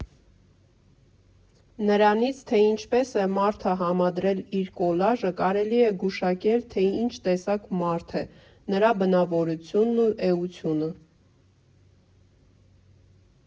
Նրանից, թե ինչպես է մարդը համադրել իր կոլաժը կարելի է գուշակել, թե ինչ տեսակ մարդ է՝ նրա բնավորությունն ու էությունը։